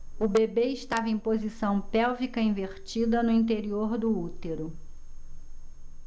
o bebê estava em posição pélvica invertida no interior do útero